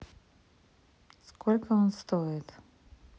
сколько он стоит